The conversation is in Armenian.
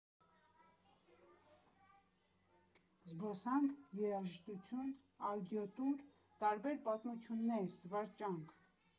Զբոսանք, երաժշտություն, աուդիո֊տուր, տարբեր պատմություններ, զվարճանք.